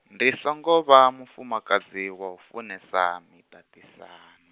ndi songo vha, mufumakadzi, wa u funesa, miṱaṱisano.